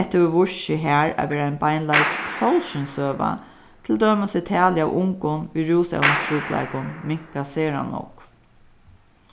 hetta hevur víst seg har at vera ein beinleiðis sólskinssøga til dømis er talið av ungum við rúsevnistrupulleikum minkað sera nógv